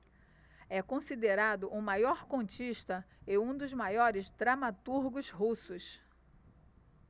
é considerado o maior contista e um dos maiores dramaturgos russos